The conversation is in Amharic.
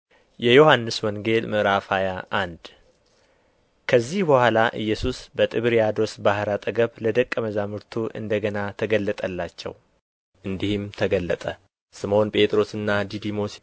የዮሐንስ ወንጌል ምዕራፍ ሃያ አንድ ከዚህ በኋላ ኢየሱስ በጥብርያዶስ ባሕር አጠገብ ለደቀ መዛሙርቱ እንደ ገና ተገለጠላቸው እንዲህም ተገለጠ ስምዖን ጴጥሮስና ዲዲሞስ